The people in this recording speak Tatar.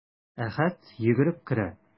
Әхәт йөгереп керә.